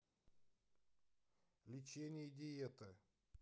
лечение и диета